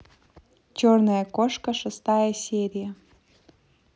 черная кошка шестая серия